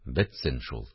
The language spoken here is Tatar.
– бетсен шул